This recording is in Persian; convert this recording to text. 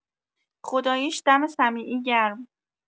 خداییش دم سمیعی گرم